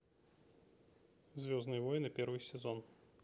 звездные войны первый сезон